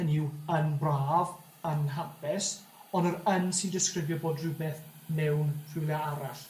hynny yw, yn braf, yn hapus on' yr yn sy'n disgrifio bod rhwbeth mewn rhywle arall.